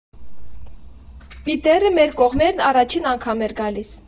Պիտերը մեր կողմերն առաջին անգամ էր գալիս։